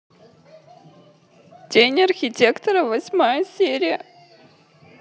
тень архитектора восьмая серия